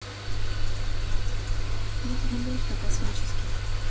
ну конечно космический